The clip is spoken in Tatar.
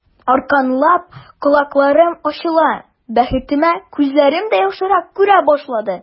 Акрынлап колакларым ачыла, бәхетемә, күзләрем дә яхшырак күрә башлады.